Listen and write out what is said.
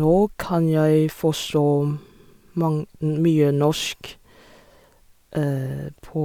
Nå kan jeg forstå mang mye norsk på